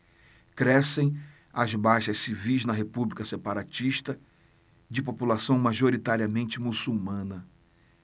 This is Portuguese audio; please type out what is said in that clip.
crescem as baixas civis na república separatista de população majoritariamente muçulmana